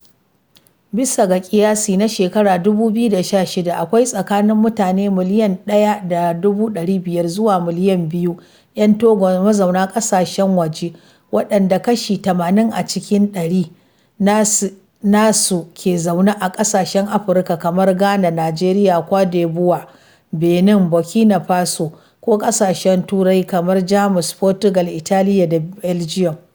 Bisa ga ƙiyasi na shekarar 2016, akwai tsakanin mutane miliyan 1.5 zuwa miliyan 2 'yan Togo mazauna ƙasashen waje, waɗanda kashi 80 cikin ɗari nasu ke zaune a ƙasashen Afirka, kamar Ghana, Najeriya, Kwade buwa, Benin, Burkina Faso, ko ƙasashen Turai kamar Jamus, Fotugal, Italiya, da Beljiyum.